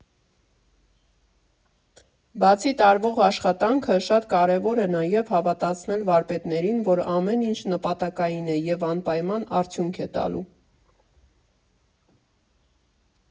Բացի տարվող աշխատանքը, շատ կարևոր էր նաև հավատացնել վարպետներին, որ ամեն ինչ նպատակային է և անպայման արդյունք է տալու։